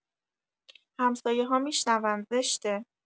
همسایه‌ها می‌شنون زشته.